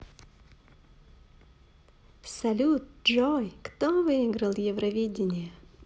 салют джой кто выиграл евровидение